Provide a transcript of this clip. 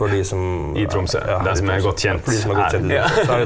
ja i Tromsø de som er godt kjent her ja .